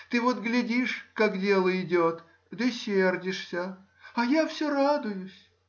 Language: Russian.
ты вот глядишь, как дело идет, да сердишься, а я все радуюсь.